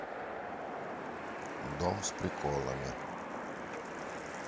дом с приколами